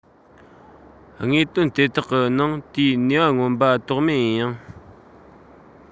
དངོས དོན དེ དག གི ནང དེའི ནུས པ མངོན པ དོགས མེད ཡིན ཡང